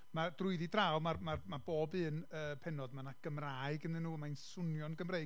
mae... drwyddi draw mae'r, ma' ma' bob un, yy, pennod, ma' 'na Gymraeg ynddyn nhw, mae'n swnio'n Gymreig.